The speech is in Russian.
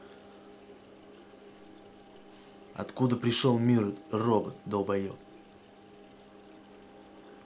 откуда пришел мир робот долбоеб